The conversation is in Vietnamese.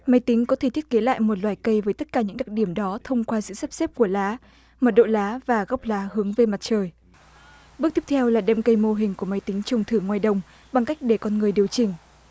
máy tính có thể thiết kế lại một loài cây với tất cả những đặc điểm đó thông qua sự sắp xếp của lá mật độ lá và gốc lá hướng về mặt trời bước tiếp theo là đem cây mô hình của máy tính trồng thử ngoài đồng bằng cách để con người điều chỉnh